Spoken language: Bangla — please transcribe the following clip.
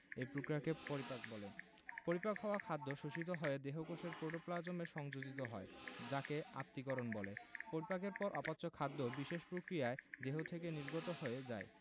এই প্রক্রিয়াকে পরিপাক বলে পরিপাক হওয়া খাদ্য শোষিত হয়ে দেহকোষের প্রোটোপ্লাজমে সংযোজিত হয় যাকে আত্তীকরণ বলে পরিপাকের পর অপাচ্য খাদ্য বিশেষ প্রক্রিয়ায় দেহ থেকে নির্গত হয়ে যায়